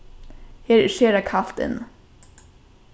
her er sera kalt inni